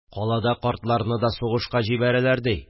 Калада картларны да сугышка җибәрәләр ди